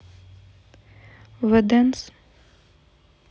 the dance